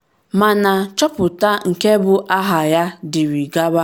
Mana nchọpụta nke bu aha ya dịịrị gaba.